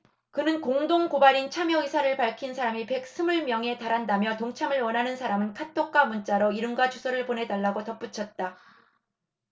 그는 공동 고발인 참여 의사를 밝힌 사람이 백 스물 명에 달한다며 동참을 원하는 사람은 카톡과 문자로 이름과 주소를 보내달라고 덧붙였다